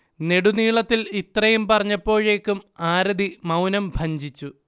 നെടുനീളത്തിൽ ഇത്രയും പറഞ്ഞപ്പോഴേക്കും ആരതി മൗനം ഭഞ്ജിച്ചു